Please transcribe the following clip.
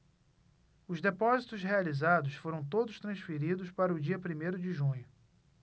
os depósitos realizados foram todos transferidos para o dia primeiro de junho